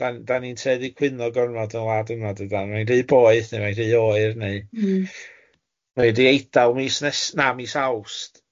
Dan dan ni'n tueddu cwyno gormod yn wlad yma dydan. Mae'n rhy boeth neu mae'n rhy oer neu... M-hm. ...mae di Eidal mis nes- na, mis Awst.